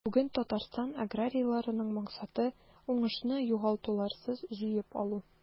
Бүген Татарстан аграрийларының максаты – уңышны югалтуларсыз җыеп алу.